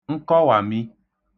nkọwàmi